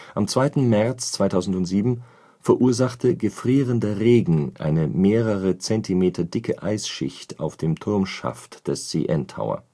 Am 2. März 2007 verursachte gefrierender Regen eine mehrere Zentimeter dicke Eisschicht auf dem Turmschaft des CN Tower